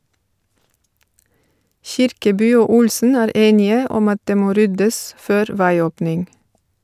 Kirkeby og Olsen er enige om at det må ryddes før veiåpning.